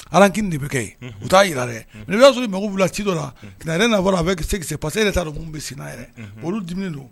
Ala kkiini de bɛ kɛ yen u taa jira dɛ nin i y'a bɛ mako mugu bila ci dɔ la nana a bɛ paseke de taa dɔn tun bɛ sen yɛrɛ olu olu dumuni don